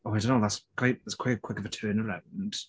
Oh I don't know, that's quite that's quite quick of a turnaround.